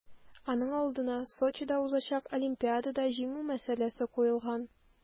Аның алдына Сочида узачак Олимпиадада җиңү мәсьәләсе куелган.